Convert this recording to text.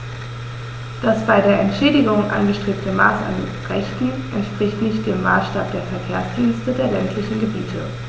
Das bei der Entschädigung angestrebte Maß an Rechten entspricht nicht dem Maßstab der Verkehrsdienste der ländlichen Gebiete.